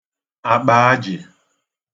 àkpà ajị̀